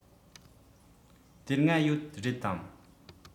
དེ སྔ ཡོད རེད དམ